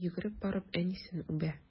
Йөгереп барып әнисен үбә.